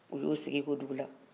u ye o sigi kɛ o dugu la